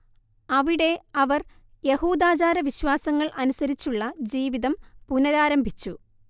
അവിടെ അവർ യഹൂദാചാരവിശ്വാസങ്ങൾ അനുസരിച്ചുള്ള ജീവിതം പുനരാരംഭിച്ചു